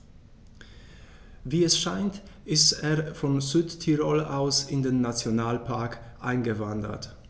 Wie es scheint, ist er von Südtirol aus in den Nationalpark eingewandert.